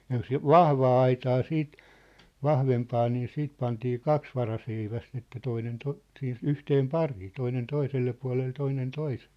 ja jos vahvaa aitaa sitten vahvempaa niin sitten pantiin kaksi varaseivästä että toinen - siinä yhteen pariin toinen toiselle puolelle toinen toiselle